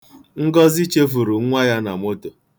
Ngọzị chefuru nwa ya na moto.